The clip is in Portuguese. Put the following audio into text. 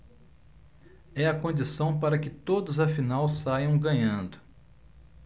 é a condição para que todos afinal saiam ganhando